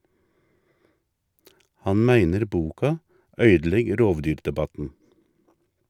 Han meiner boka øydelegg rovdyrdebatten.